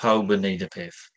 Pawb yn wneud y peth.